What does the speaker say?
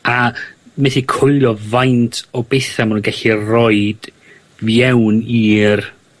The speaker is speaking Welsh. a methu coelio faint o betha ma' nw gellu roid fewn i'r